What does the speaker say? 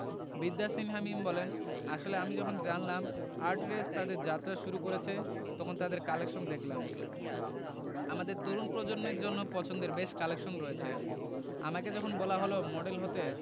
বিদ্যা সিনহা মিম বলেন আসলে আমি যখন জানলাম আর্টরেস তাদের যাত্রা শুরু করেছে তখন তাদের কালেকশন দেখলাম আমাদের তরুণ প্রজন্মের জন্য পছন্দের বেশ কালেকশন রয়েছে আমাকে যখন বলা হলো মডেল হতে